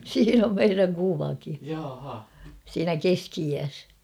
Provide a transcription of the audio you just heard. siinä on meidän kuvakin siinä keski-iässä